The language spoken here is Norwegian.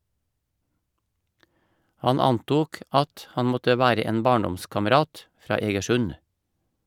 Han antok at han måtte være en barndomskamerat , fra Egersund.